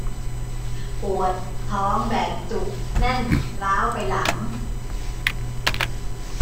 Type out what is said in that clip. ปวดท้องแบบจุกแน่นร้าวไปหลัง